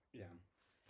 Iawn...